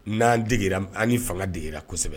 N'an degera an fanga degeigira kosɛbɛ